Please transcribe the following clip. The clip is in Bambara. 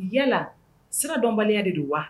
Yala sira dɔnbaliya de don wa